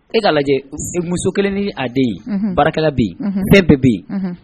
E ka lajɛ ni muso kelen ni a den baarakɛla bɛ yen bɛɛ bɛ bɛ yen